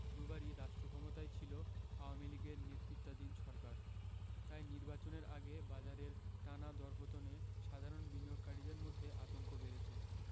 দুবারই রাষ্ট্রক্ষমতায় ছিল আওয়ামী লীগের নেতৃত্বাধীন সরকার তাই নির্বাচনের আগে বাজারের টানা দরপতনে সাধারণ বিনিয়োগকারীদের মধ্যে আতঙ্ক বেড়েছে